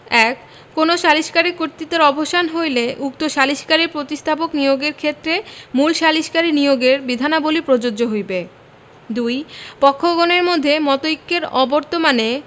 ১ কোন সালিকারীর কর্তত্বের অবসান হইলে উক্ত সালিকারীর প্রতিস্থাপক নিয়োগের ক্ষেত্রে মূল সালিসকারী নিয়োগের বিধানাবলী প্রযোজ্য হইবে ২ পক্ষগণের মধ্যে মতৈক্যের অবর্তমানে